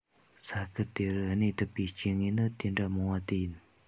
ས ཁུལ དེ རུ གནས ཐུབ པའི སྐྱེ དངོས ནི དེ འདྲ མང བ དེ ཡིན